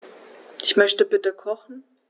Ich möchte bitte kochen.